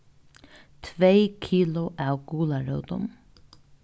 tvey kilo av gularótum